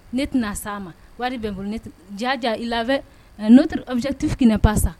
Ne tɛna s'a ma wari bɛ n bolo, jaa jaa il avait un autre objectif qui n'est pas ça